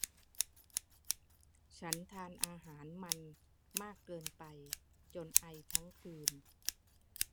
ฉันทานอาหารมันมากเกินไปจนไอทั้งคืน